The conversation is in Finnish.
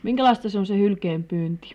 Minkälaista se on se hylkeenpyynti